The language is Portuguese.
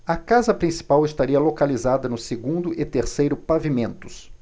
a casa principal estaria localizada no segundo e terceiro pavimentos